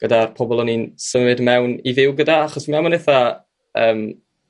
gyda'r pobol oni'n symud mewn i fyw gyda achos ma' fe'n 'itha' yym